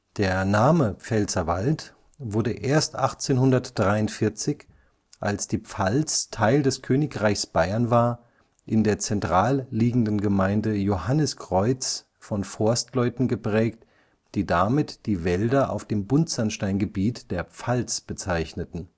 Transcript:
Der Name Pfälzerwald wurde erst 1843, als die Pfalz Teil des Königreichs Bayern war, in der zentral liegenden Gemeinde Johanniskreuz von Forstleuten geprägt, die damit die Wälder auf dem Buntsandsteingebiet der Pfalz bezeichneten